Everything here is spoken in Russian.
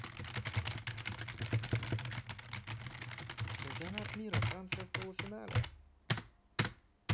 чемпионат мира франция в полуфинале